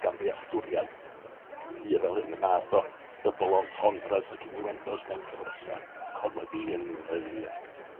gamddealltwriaeth hir fel hyn, y math o double entendres ac iniwendos ma cyfresa' comedi yn yn